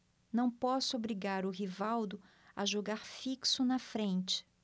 não posso obrigar o rivaldo a jogar fixo na frente